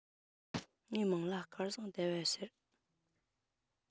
ངའི མིང ལ སྐལ བཟང ཟླ བ ཟེར